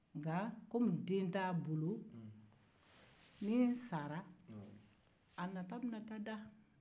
nka kɔmi den t'a bolo ni ne sara a nata bɛna taa da